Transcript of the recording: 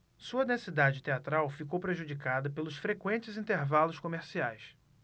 sua densidade teatral ficou prejudicada pelos frequentes intervalos comerciais